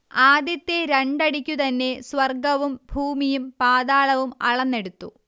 ആദ്യത്തെ രണ്ടടിക്കു തന്നെ സ്വർഗ്ഗവും ഭൂമിയും പാതാളവും അളന്നെടുത്തു